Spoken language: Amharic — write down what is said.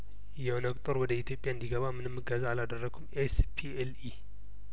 የኦነግ ጦር ወደ ኢትዮጵያ እንዲገባ ምንም እገዛ አላደረኩም ኤስፒ ኤልኢ